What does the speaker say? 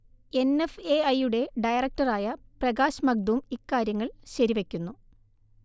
N F A I യുടെ ഡയറക്ടറായ പ്രകാശ് മഗ്ദും ഇക്കാര്യങ്ങൾ ശരിവയ്ക്കുന്നു